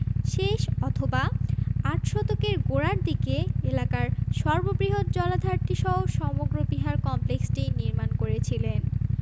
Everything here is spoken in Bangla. শেষ অথবা আট শতকের গোড়ার দিকে এলাকার সর্ববৃহৎ জলাধারটিসহ সমগ্র বিহার কমপ্লেক্সটি নির্মাণ করেছিলেন